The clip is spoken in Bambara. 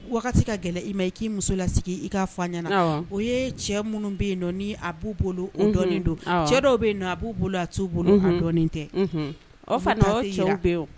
Wagati ka gɛlɛ i ma i k'i muso lasigi i kaa fa ɲɛnaana o ye cɛ minnu bɛ yen dɔn ni a b'u bolo dɔn don cɛ dɔw bɛ yen don a b'u bolo a t'u bolo dɔn tɛ o fana bɛ yen o